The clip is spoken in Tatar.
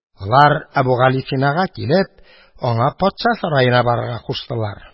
Алар, Әбүгалисинага килеп, аңа патша сараена барырга куштылар.